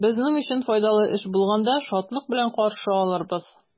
Безнең өчен файдалы эш булганда, шатлык белән каршы алырбыз.